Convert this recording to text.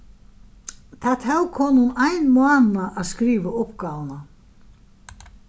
tað tók honum ein mánað at skriva uppgávuna